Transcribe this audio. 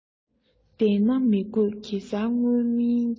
འདན ན མི དགོས གེ སར དངོས ཡིན ཀྱང